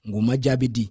o ma jaabi di